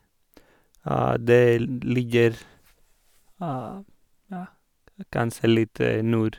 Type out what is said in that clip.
Det ligger, ja, kanskje litt nord...